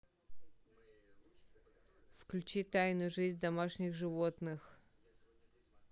включи тайную жизнь домашних животных